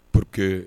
P que